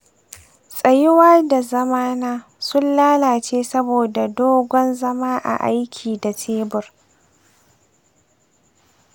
tsayuwa da zamana sun lalace saboda dogon zama a aiki da tebur.